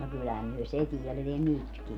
no kyllähän me se - vielä nytkin